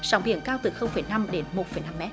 sóng biển cao từ không phẩy năm đến một phẩy năm mét